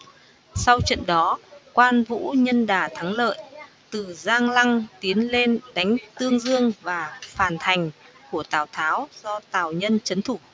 sau trận đó quan vũ nhân đà thắng lợi từ giang lăng tiến lên đánh tương dương và phàn thành của tào tháo do tào nhân trấn thủ